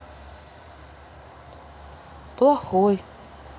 плохой